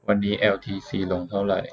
วันนี้แอลทีซีลงเท่าไหร่